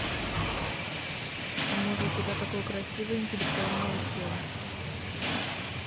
почему же у тебя такое красивое интеллектуальное тело